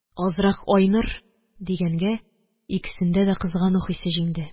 Азрак айныр, – дигәнгә, икесендә дә кызгану хисе җиңде.